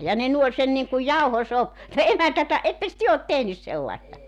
ja ne nuoli sen niin kuin - tuo emäntä että ettekös te ole tehnyt sellaista